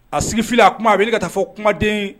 A sigifi a kuma a bɛ ka taa fɔ kumaden